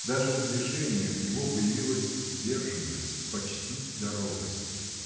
Даже в движениях его появилась сдержанность, почти до робости.